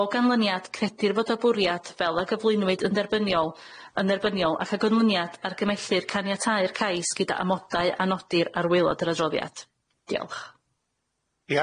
O ganlyniad credir fod y bwriad, fel y gyflwynwyd yn derbyniol, yn dderbyniol ac o ganlyniad argymellir caniatáu'r cais gyda amodau a nodir ar waelod yr adroddiad. Diolch.